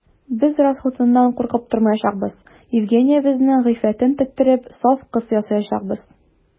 Без расхутыннан куркып тормаячакбыз: Евгениябезнең гыйффәтен тектереп, саф кыз ясаячакбыз.